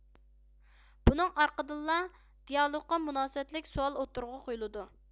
بۇنىڭ ئارقىدىنلا دىئالوگقا مۇناسىۋەتلىك سوئال ئوتتۇرىغا قويۇلىدۇ